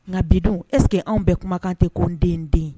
Nka bidon esseke anw bɛɛ kumakan tɛ ko n den den